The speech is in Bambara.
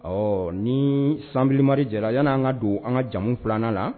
Ɔ ni sanbimari jɛra yan an ka don an ka jamu filanan la